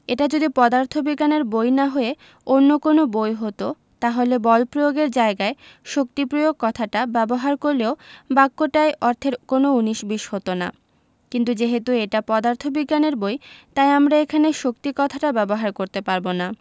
এটা যদি পদার্থবিজ্ঞানের বই না হয়ে অন্য কোনো বই হতো তাহলে বল প্রয়োগ এর জায়গায় শক্তি প্রয়োগ কথাটা ব্যবহার করলেও বাক্যটায় অর্থের কোনো উনিশ বিশ হতো না কিন্তু যেহেতু এটা পদার্থবিজ্ঞানের বই তাই আমরা এখানে শক্তি কথাটা ব্যবহার করতে পারব না